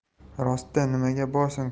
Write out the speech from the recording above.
rostda nimaga borsin